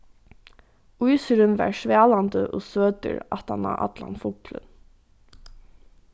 ísurin var svalandi og søtur aftan á allan fuglin